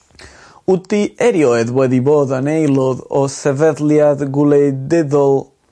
W't ti erioed wedi bod yn aelodd o sefydliad gwleididdol?